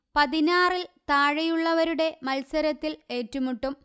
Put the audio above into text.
പതിനാറിൽ താഴെയുള്ളവരുടെ മത്സരത്തിൽ ഏറ്റുമുട്ടും